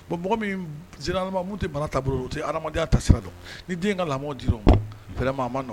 Bon mɔgɔ min généralement mun tɛ mara taabolo dɔn,u tɛ adamadenya taasira dɔn. Ni den ka lamɔ dira o ma vraiment a ma nɔgɔ.